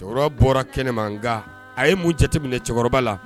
Cɛkɔrɔba bɔra kɛnɛ man nka a ye mun jate minɛ cɛkɔrɔba la